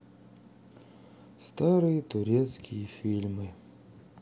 старые турецкие фильмы